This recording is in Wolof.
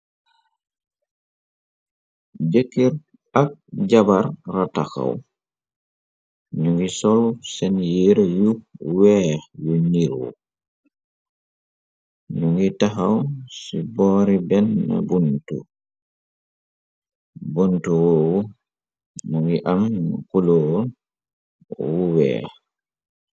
Jëkkir ak jabar rataxaw, nu ngi solu seen yir yu weex yu nirwu , nu ngi taxaw ci boori benn buntu, buntu wu nu ngi am kuloo wu weex.